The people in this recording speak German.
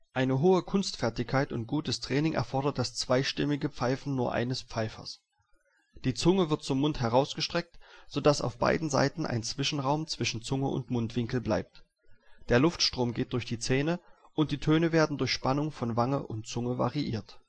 Eine hohe Kunstfertigkeit und gutes Training erfordert das zweistimmige Pfeifen (zum Beispiel im Terz-Intervall) nur eines Pfeifers. Die Zunge wird zum Mund herausgestreckt, so dass auf beiden Seiten ein Zwischenraum zwischen Zunge und Mundwinkel bleibt. Der Luftstrom geht durch die Zähne und die Töne werden durch Spannung von Wange und Zunge variiert